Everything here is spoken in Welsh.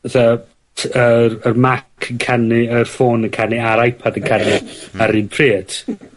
bydd y t- yr yr Mac yn canu yr ffôn yn canu a'r Ipad yn canu ar yr un pryd.